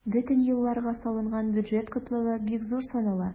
Бөтен елларга салынган бюджет кытлыгы бик зур санала.